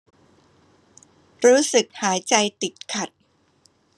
รู้สึกหายใจติดขัด